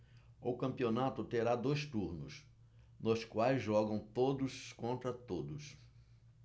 o campeonato terá dois turnos nos quais jogam todos contra todos